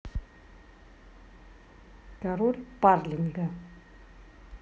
король гарлинга